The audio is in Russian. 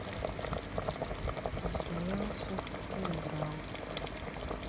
засмеялся проиграл